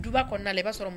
Duba kɔnɔ i b'a sɔrɔ